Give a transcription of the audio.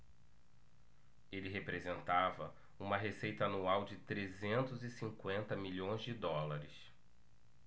ele representava uma receita anual de trezentos e cinquenta milhões de dólares